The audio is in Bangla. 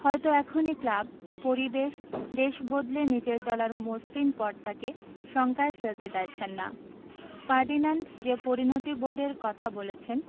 হয়তো এখনই ক্লাব পরিবেশ দেশ বদলে নিজের চলার মসৃণ পথটাকে শঙ্কায় ফেলতে চাইছেন না ফার্ডিনান্ড যে পরিণতিবোধের কথা বলেছেন